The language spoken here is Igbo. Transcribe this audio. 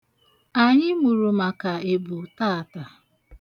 Anyị mụrụ maka ebu taata.